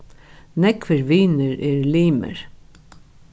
nógvir vinir eru limir